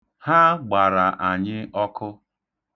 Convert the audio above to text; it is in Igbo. Ha gbara anyị ọkụ